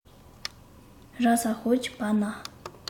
ར ས ཞོལ གྱི བར ན